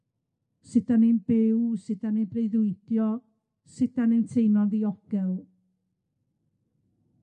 sut 'dan ni'n byw, sut 'dan ni'n breuddwydio, sut 'dan ni'n teimlo'n ddiogel.